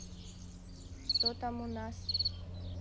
что там у нас